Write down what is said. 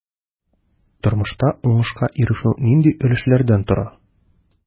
Тормышта уңышка ирешү нинди өлешләрдән тора?